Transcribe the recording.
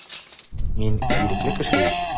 Мин ирекле кеше ич.